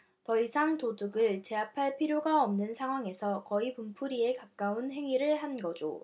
더 이상 도둑을 제압할 필요가 없는 상황에서 거의 분풀이에 가까운 행위를 한 거죠